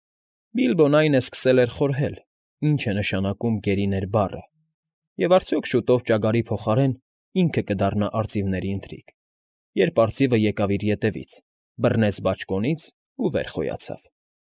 Բիլբոն այն է սկսել էր խորհել՝ ինչ է նշանակում «գերիներ» բառը և արդյոք շուտո՞վ ճագարի փոխարեն ինքը կդառնա արծիվների ընթրիք, երբ արծիվը եկավ իր ետևից, բռնեց բաճկոնից ու վեր խոյացավ։